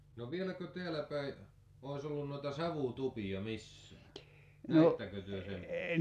no vieläkö täällä päin olisi ollut noita savutupia missään näittekö te semmoista